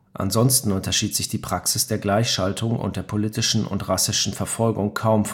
Ansonsten unterschied sich die Praxis der Gleichschaltung und der politischen und rassischen Verfolgung kaum